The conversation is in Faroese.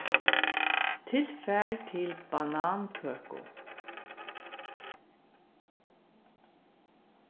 tilfar til banankøku